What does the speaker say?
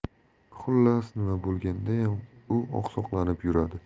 xullas nima bo'lgandayam u oqsoqlanib yuradi